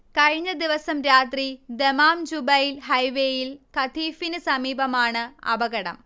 കഴിഞ്ഞദിവസം രാത്രി ദമാംജുബൈൽ ഹൈവേയിൽ ഖതീഫിന് സമീപമാണ് അപകടം